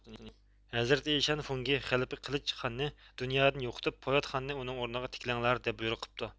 ھەزرىتى ئىشان فوڭگى خەلىپە قىلىچ خاننى دۇنيادىن يوقىتىپ پولات خاننى ئۇنىڭ ئورنىغا تىكلەڭلار دەپ بۇيرۇق قىپتۇ